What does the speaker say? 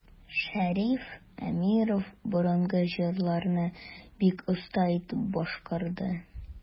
Шәриф Әмиров борынгы җырларны бик оста итеп башкарды.